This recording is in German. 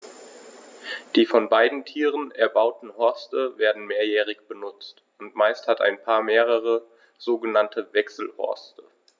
Die von beiden Tieren erbauten Horste werden mehrjährig benutzt, und meist hat ein Paar mehrere sogenannte Wechselhorste.